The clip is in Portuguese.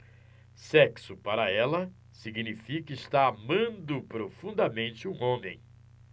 sexo para ela significa estar amando profundamente um homem